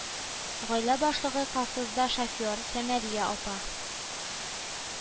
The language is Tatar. Гаилә башлыгы колхозга шофер, Сәмәрия апа